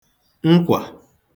nkwà